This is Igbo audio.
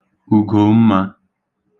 Ùgòmmā